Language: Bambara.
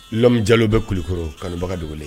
lammija bɛ kulukɔrɔ kanubaga tuguni